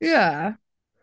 Yeah.